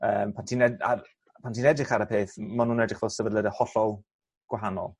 yym pan ti'n ed- ar pan ti'n edrych ar y peth m- ma' nw'n edrych fel sefydliade hollol gwahanol